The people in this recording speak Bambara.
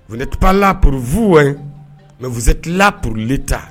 Wla purffinuwa mɛ fuzela purlen ta